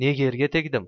nega erga tegdim